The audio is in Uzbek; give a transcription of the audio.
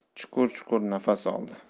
chuqur chuqur nafas oldi